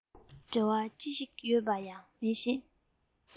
འབྲེལ བ ཅི ཞིག ཡོད པ ཡང མ ཤེས